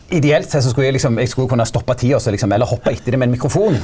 ideelt sett så skulle eg liksom eg skulle kunne stoppe tida også liksom eller hoppe etter dei med ein mikrofon.